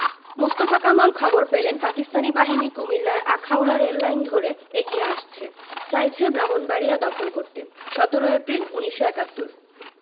মোস্তফা কামাল খবর পেলেন পাকিস্তানি বাহিনী কুমিল্লার আখাউড়া রেললাইন ধরে এগিয়ে আসছে চাইছে ব্রাহ্মনবাড়িয়া দখল করতে ১৭ এপ্রিল ১৯৭১